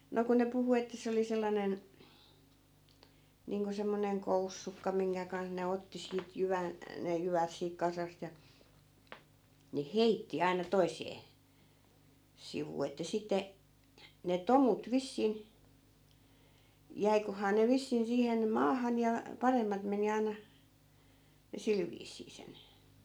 no kun ne puhui että se oli sellainen niin kuin semmoinen koussukka minkä kanssa ne otti siitä jyvän ne jyvät siitä kasasta ja ne heitti aina toiseen sivuun että sitten ne tomut vissiin jäiköhän ne vissiin siihen maahan ja paremmat meni aina ja sillä viisiin sen